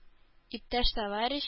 Иптәш-товарищ